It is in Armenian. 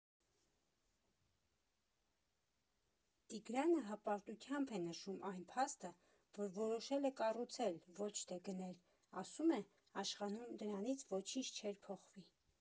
Տիգրանը հպարտությամբ է նշում այն փաստը, որ որոշել է կառուցել, ոչ թե գնել, ասում է՝ աշխարհում դրանից ոչինչ չէր փոխվի։